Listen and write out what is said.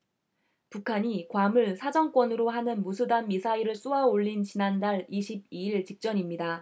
북한이 괌을 사정권으로 하는 무수단 미사일을 쏘아 올린 지난달 이십 이 일 직전입니다